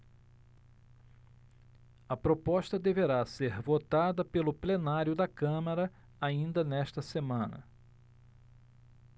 a proposta deverá ser votada pelo plenário da câmara ainda nesta semana